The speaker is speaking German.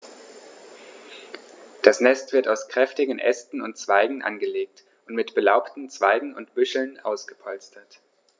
Das Nest wird aus kräftigen Ästen und Zweigen angelegt und mit belaubten Zweigen und Büscheln ausgepolstert.